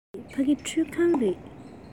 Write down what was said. མ རེད ཕ གི ཁྲུད ཁང རེད